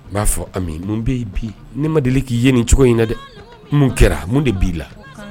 I b'a fɔ a mun bɛi bi ni ma deli k'i ye nin cogo in na dɛ mun kɛra mun de b'i la